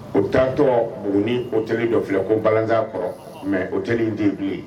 O tantɔ bugununi oteli dɔ filɛ ko ba kɔrɔ mɛ oteli den ye